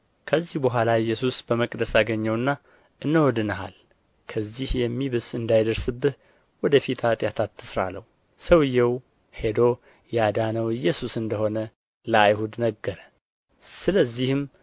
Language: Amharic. ከዚህ በኋላ ኢየሱስ በመቅደስ አገኘውና እነሆ ድነሃል ከዚህ የሚብስ እንዳይደርስብህ ወደ ፊት ኃጢአት አትሥራ አለው ሰውዬው ሄዶ ያዳነው ኢየሱስ እንደ ሆነ ለአይሁድ ነገረ ስለዚህም